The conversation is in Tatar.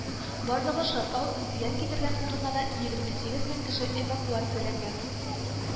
Барлыгы шартлау зыян китергән урыннардан егерме сигез мең кеше эвакуацияләнгән